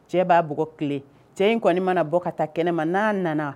Cɛ b'a b tile cɛ in kɔni mana na bɔ ka taa kɛnɛ ma n'a nana